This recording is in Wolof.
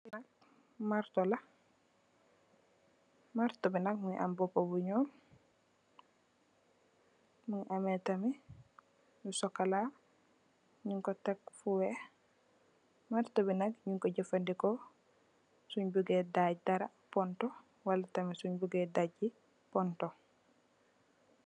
Li nak marto la, marto bi nak mungi ame bopa bu ñuul mungi ame tamit lusokola nyung ku tek fu weex. Marto bi nak danye ko de jefandikoo su bugee daj dara wala pontu.